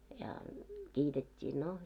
ja kiitettiin no